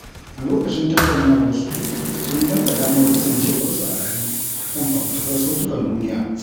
A lokacin tattaunawarsu, sun damƙa damar kasancewarsu a raye a kan fafutukar Sautukan Duniya.